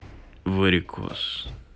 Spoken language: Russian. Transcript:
варикоз